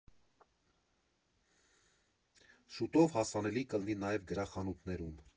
Շուտով հասանելի կլինի նաև գրախանութներում։